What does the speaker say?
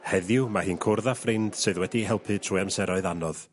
Heddiw mae hi'n cwrdd â ffrind sydd wedi 'i helpu trwy amseroedd anodd.